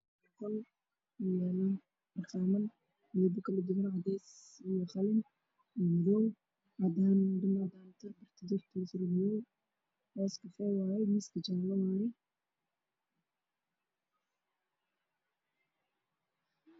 Waa haqaan midabkiisu yahay madow jeclo waxaa saaran dun fara badan nin ayaa ii muuqday lugtiisa